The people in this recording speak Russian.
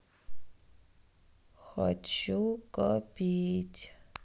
хочу копить